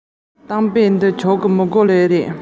སྐྱེས པའི ཁ ལ དགོས པ ཁ སྤུ